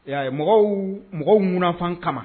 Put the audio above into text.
E y'a ye mɔgɔw, mɔgɔw ŋunafan kama